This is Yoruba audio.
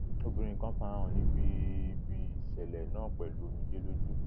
Obìnrin kan farahàn níbí ibi ìṣẹ̀lẹ̀ náà pẹ̀lú omijé lójú.